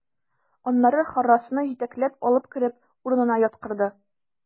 Аннары Харрасны җитәкләп алып кереп, урынына яткырды.